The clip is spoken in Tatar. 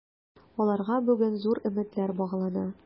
Аларга бүген зур өметләр баглана.